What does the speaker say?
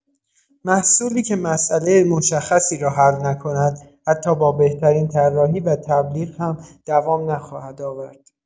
محصولی که مسئله مشخصی را حل نکند، حتی با بهترین طراحی و تبلیغ هم دوام نخواهد آورد.